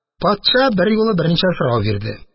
Патша берьюлы берничә сорау бирде